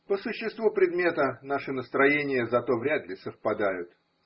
По существу предмета наши настроения зато вряд ли совпадают.